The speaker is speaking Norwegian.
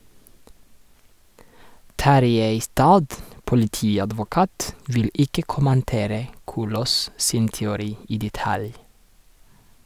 Tarjei Istad, politiadvokat, vil ikke kommentere Kolås sin teori i detalj.